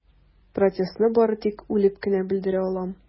Протестымны бары тик үлеп кенә белдерә алам.